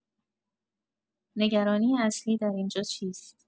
نگرانی اصلی در اینجا چیست؟